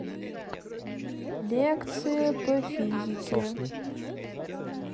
лекция по физике